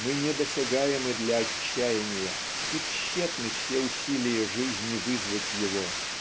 Мы недосягаемы для отчаяния, и тщетны все усилия жизни вызвать его.